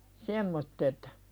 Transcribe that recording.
semmoiset